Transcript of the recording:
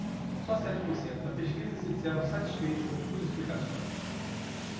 só sete por cento na pesquisa se disseram satisfeitos com suas explicações